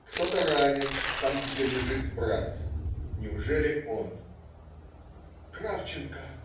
"Кто-то ранен там, где лежит брат. Неужели он? "Кравченко!